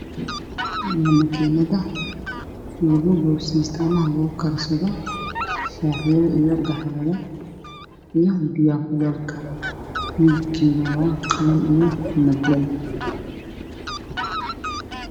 Waa tarmuuska korantada midabkiis yahay madow